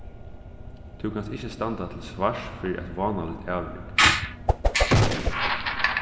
tú kanst ikki standa til svars fyri eitt vánaligt avrik